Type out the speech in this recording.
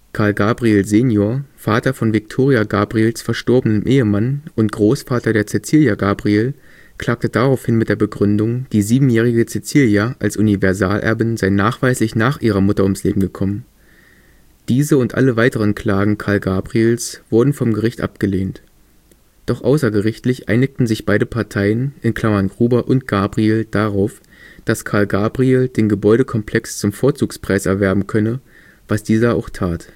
Karl Gabriel sen., Vater von Viktoria Gabriels verstorbenem Ehemann und Großvater der Cäzilia Gabriel, klagte daraufhin mit der Begründung, die siebenjährige Cäzilia als Universalerbin sei nachweislich nach ihrer Mutter ums Leben gekommen. Diese und alle weiteren Klagen Karl Gabriels wurden vom Gericht abgelehnt. Doch außergerichtlich einigten sich beide Parteien (Gruber und Gabriel) darauf, dass Karl Gabriel den Gebäudekomplex zum Vorzugspreis erwerben könne, was dieser auch tat